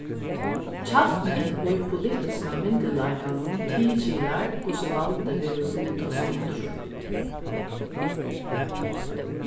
kjarnin í politiska myndugleikanum tilskilar hvussu valdið verður lutað sundur